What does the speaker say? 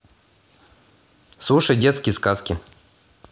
слушать детские сказки